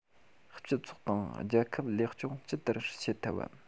སྤྱི ཚོགས དང རྒྱལ ཁབ ལེགས སྐྱོང ཇི ལྟར བྱེད ཐུབ བམ